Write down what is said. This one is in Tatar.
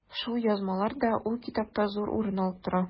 Шул язмалар да ул китапта зур урын алып тора.